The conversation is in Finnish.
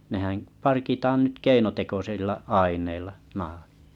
nehän parkitaan nyt keinotekoisilla aineilla nahat